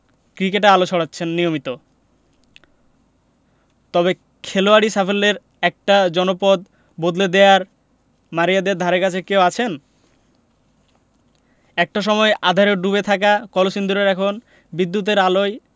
ক্রিকেটে আলো ছড়াচ্ছেন নিয়মিত তবে খেলোয়াড়ি সাফল্যে একটা জনপদ বদলে দেওয়ার মারিয়াদের ধারেকাছে কেউ কি আছেন একটা সময়ে আঁধারে ডুবে থাকা কলসিন্দুর এখন বিদ্যুতের আলোয়